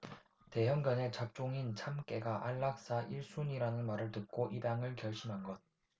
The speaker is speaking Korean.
대형견에 잡종인 참깨가 안락사 일 순위라는 말을 듣고 입양을 결심한 것